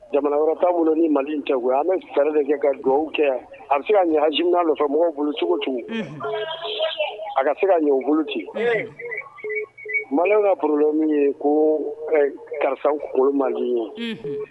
Jamana wɛrɛ' bolo ni mali cɛgo an bɛ fɛ de kɛ ka dugawu kɛ yan a bɛ se ka ɲɛj nɔfɛ mɔgɔw bolo cogo tun a ka se ka bolo ci mali kaorola min ye ko karisa mali ye